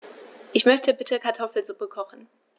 Ich möchte bitte Kartoffelsuppe kochen.